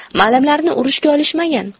malimlarni urushga olishmagan